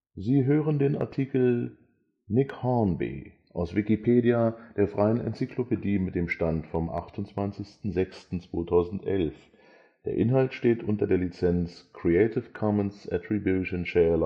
Sie hören den Artikel Nick Hornby, aus Wikipedia, der freien Enzyklopädie. Mit dem Stand vom Der Inhalt steht unter der Lizenz Creative Commons Attribution Share